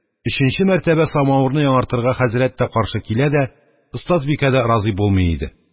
Өченче мәртәбә самавырны яңартырга хәзрәт тә каршы килә дә, остазбикә дә разый булмый иде.